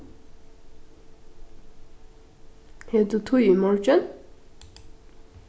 hevur tú tíð í morgin